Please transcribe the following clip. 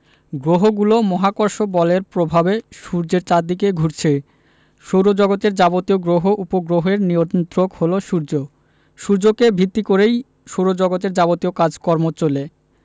গ্রহগুলো মহাকর্ষ বলের প্রভাবে সূর্যের চারদিকে ঘুরছে সৌরজগতের যাবতীয় গ্রহ উপগ্রহের নিয়ন্ত্রক হলো সূর্য সূর্যকে ভিত্তি করেই সৌরজগতের যাবতীয় কাজকর্ম চলে